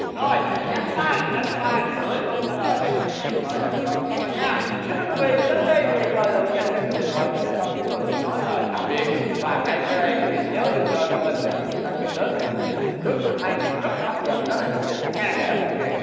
rồi nhanh tay nhanh tay gửi câu trả lời về cho chương trình vợ chồng son chúng tôi nhá kính thưa quý vị đến đây thì thời lượng dành cho chương trình vợ chồng son chúng tôi xin nói lời tạm biệt và ngay sau đây quý vị nhớ đừng rời màn hình bởi vì chúng ta sẽ đến một chương trình cũng rất là hay rất là hấp dẫn đó là chương trình ngàn lẻ một chuyện